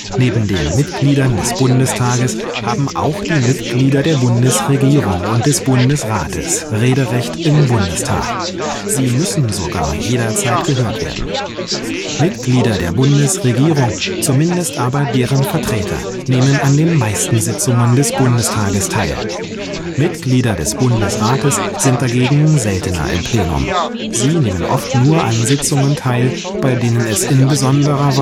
Neben den Mitgliedern des Bundestages haben auch die Mitglieder der Bundesregierung und des Bundesrates Rederecht im Bundestag. Sie müssen sogar jederzeit gehört werden. Mitglieder der Bundesregierung, zumindest aber deren Vertreter, nehmen an den meisten Sitzungen des Bundestages teil. Mitglieder des Bundesrates sind dagegen seltener im Plenum; sie nehmen oft nur an Sitzungen teil, bei denen es in besonderer